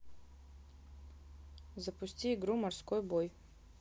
запусти игру морской бой